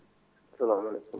salamu aleykum